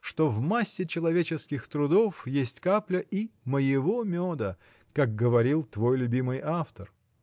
что в массе человеческих трудов есть капля и моего меда как говорит твой любимый автор.